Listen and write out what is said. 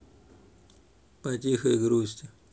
по тихой грусти